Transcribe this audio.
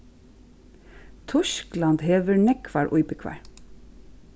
týskland hevur nógvar íbúgvar